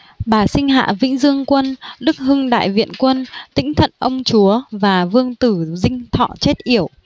bà sinh hạ vĩnh dương quân đức hưng đại viện quân tĩnh thận ông chúa và vương tử dinh thọ chết yểu